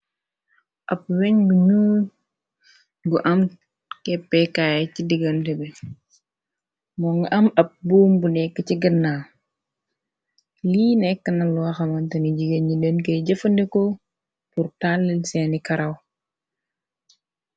Ab weñ gu nuy, gu am keppekaay ci digante bi moo nga am ab buum bu nekk ci gënnaaw. Lii nekk na looxamantani jigen ñi leen key jëfande ko purtàllil seeni karaw.